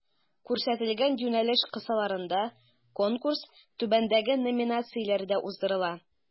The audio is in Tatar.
Күрсәтелгән юнәлеш кысаларында Конкурс түбәндәге номинацияләрдә уздырыла: